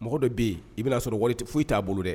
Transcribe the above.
Mɔgɔ dɔ be ye i bɛna sɔrɔ wari t foyi t'a bolo dɛ